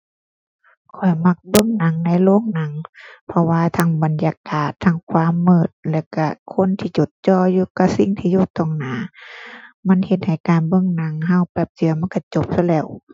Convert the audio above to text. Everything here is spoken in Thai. ข้อยมักเบิ่งหนังในโรงหนัง เพราะว่าทั้งบรรยากาศ ทั้งความมืด แล้วก็คนที่จดจ่ออยู่กับสิ่งที่อยู่ตรงหน้า มันเฮ็ดให้การเบิ่งหนังก็แป๊บเดียวมันก็จบซะแล้ว